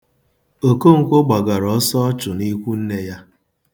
Okonkwọ gbagara ọsọ ọchụ n'ikwunne ya.